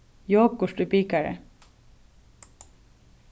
jogurt í bikari